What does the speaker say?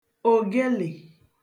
ògelè